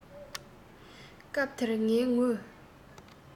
སྐབས དེར ངའི ངོས